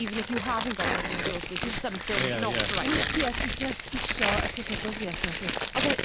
even if you haven't got endometriosis there's something not right. Ie ie ie. Weithie ti jyst isio y cydnabyddieth 'na dwyt? Odd e